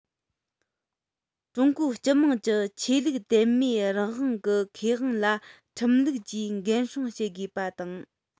ཀྲུང གོའི སྤྱི དམངས ཀྱི ཆོས ལུགས དད མོས རང དབང གི ཁེ དབང ལ ཁྲིམས ལུགས ཀྱིས འགན སྲུང བྱེད དགོས པ དང